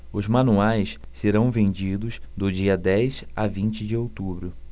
os manuais serão vendidos do dia dez a vinte de outubro